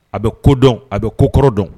A bɛ kodɔn a bɛ ko kɔrɔ dɔn